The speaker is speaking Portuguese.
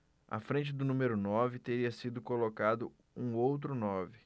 à frente do número nove teria sido colocado um outro nove